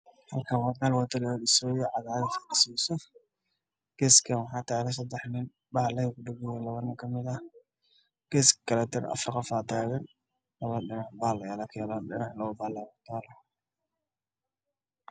Waa lami cagaf cagaf midabkeedu yahay jaalle